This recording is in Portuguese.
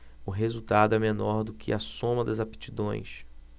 o resultado é menor do que a soma das aptidões